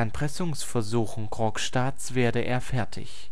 Erpressungsversuchen Krogstads werde er fertig.